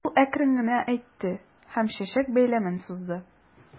Ул әкрен генә әйтте һәм чәчәк бәйләмен сузды.